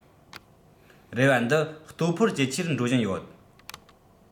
རེ བ འདི ལྟོ ཕོར ཇེ ཆེར འགྲོ བཞིན ཡོད